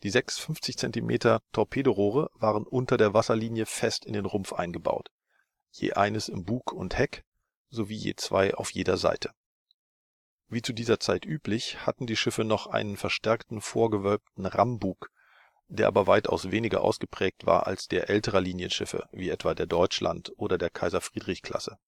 sechs Torpedorohre waren unter der Wasserlinie fest in den Rumpf eingebaut, je eines in Bug und Heck, sowie je zwei auf jeder Seite. Wie zu dieser Zeit üblich, hatten die Schiffe noch einen verstärkten vorgewölbten Rammbug, der aber weitaus weniger ausgeprägt war als der älterer Linienschiffe, etwa der Deutschland - oder der Kaiser-Friedrich-Klasse